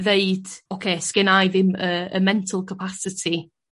ddeud ocê sgenna i ddim y y mental capacity